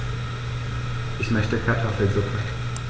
Ich möchte Kartoffelsuppe.